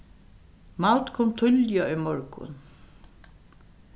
maud kom tíðliga í morgun